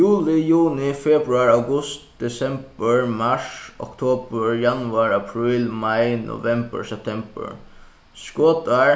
juli juni februar august desembur mars oktobur januar apríl mai novembur septembur skotár